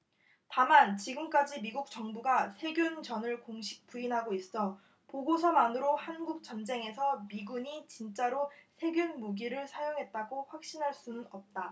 다만 지금까지 미국 정부가 세균전을 공식 부인하고 있어 보고서만으로 한국전쟁에서 미군이 진짜로 세균무기를 사용했다고 확신할 수는 없다